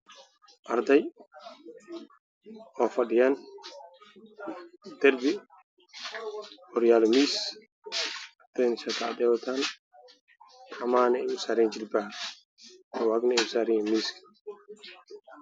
Waa school waxaa jooga niman wataan dhar cadaan